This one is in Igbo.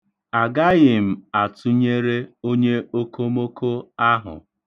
Agaghị m atụnyere onye okomoko ahụ.